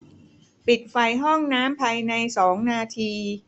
ปิดไฟห้องน้ำภายในสองนาที